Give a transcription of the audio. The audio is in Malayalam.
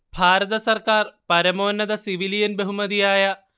ഭാരത സർക്കാർ പരമോന്നത സിവിലിയൻ ബഹുമതിയായ